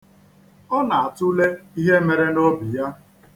Ọ na-atụle ihe mere n'obi ya.